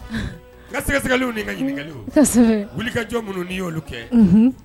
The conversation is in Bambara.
Ka sɛgɛtigɛliw ka ɲini wuli ka jɔn minnu ni y'olu kɛ